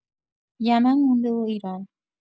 یمن مونده و ایران